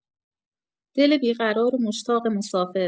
دل بی‌قرار و مشتاق مسافر